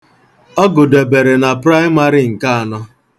Ọ gụdebere na praịmarị nke anọ.